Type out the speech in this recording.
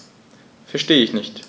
Verstehe nicht.